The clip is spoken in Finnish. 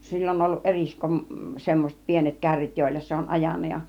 sillä on ollut - semmoiset pienet kärryt joilla se on ajanut ja